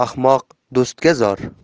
ahmoq do'stga zor